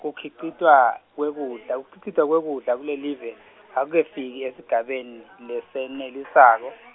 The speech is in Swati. kukhicitwa, kwekudla kukhicitwa kwekudla kulelive, akukefiki esigabeni, lesenelisako.